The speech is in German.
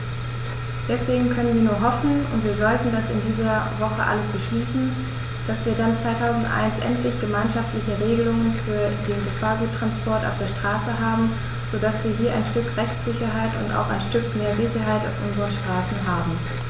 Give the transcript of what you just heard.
Deswegen können wir nur hoffen - und wir sollten das in dieser Woche alles beschließen -, dass wir dann 2001 endlich gemeinschaftliche Regelungen für den Gefahrguttransport auf der Straße haben, so dass wir hier ein Stück Rechtssicherheit und auch ein Stück mehr Sicherheit auf unseren Straßen haben.